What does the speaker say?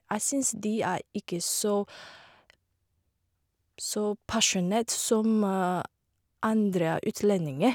Jeg syns de er ikke så så pasjonert som andre utlendinger.